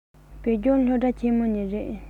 བོད ལྗོངས སློབ གྲྭ ཆེན མོ ནས རེད